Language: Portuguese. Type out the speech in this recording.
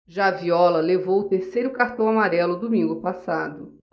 já viola levou o terceiro cartão amarelo domingo passado